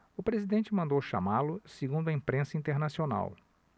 o presidente mandou chamá-lo segundo a imprensa internacional